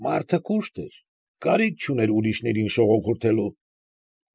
Մարդը կուշտ էր, կարիք չուներ ուրիշներին շողոքորթելու։